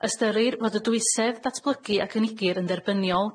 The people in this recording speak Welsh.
Ystyrir fod y dwysedd datblygu a gynigir yn dderbyniol